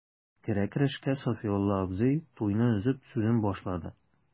Керә-керешкә Сафиулла абзый, туйны өзеп, сүзен башлады.